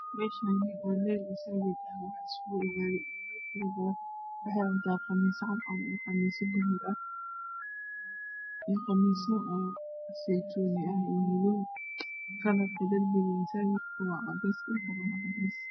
Me Shani wa meel masajid ah waxa iskugu imaday will waxey watan qamisyo cad cad ah iyo qamisyo gudud ah iyo qamisyo seytuni ah iyo madow kalar ka dar biga masajid ka wa cadan dhul ku na wa cades